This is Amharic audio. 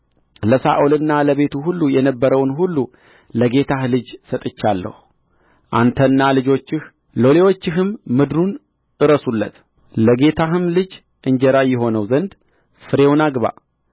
ለሳኦልና ለቤቱ ሁሉ የነበረውን ሁሉ ለጌታህ ልጅ ሰጥቻለሁ አንተና ልጆችህ ሎሌዎችህም ምድሩን እረሱለት ለጌታህም ልጅ እንጀራ ይሆነው ዘንድ ፍሬውን አግባ